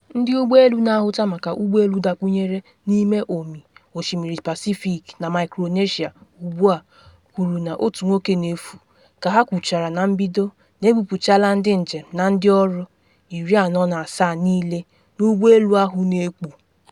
Ndị ụgbọ elu na ahụta maka ụgbọ elu dakpunyere n’ime ọmị osimiri Pacific na Micronesia ugbu a kwuru na otu nwoke na efu, ka ha kwuchara na mbido na ebupuchaala ndị njem na ndị ọrụ 47 niile n’ụgbọ elu ahụ na ekpu.